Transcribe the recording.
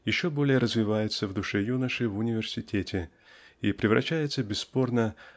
еще более развивается в душе юноши в университете и превращается бесспорно